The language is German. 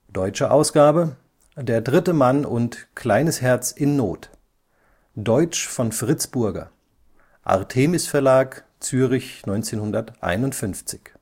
Deutsche Ausgabe: Der dritte Mann und Kleines Herz in Not. Deutsch von Fritz Burger. Artemisverlag, Zürich 1951